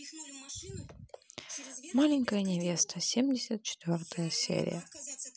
маленькая невеста семьдесят четвертая серия